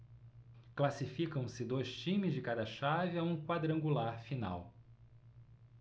classificam-se dois times de cada chave a um quadrangular final